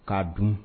Kaa dun